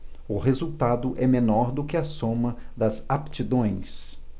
o resultado é menor do que a soma das aptidões